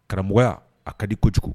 Karamɔgɔ a ka di kojugu